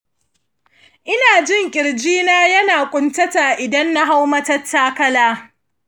ina jin ƙirji na yana ƙuntata idan na hau matattakala